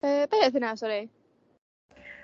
Yy be o'dd hyna sori?